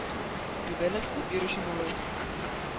Күбәләк тотып йөрүче малай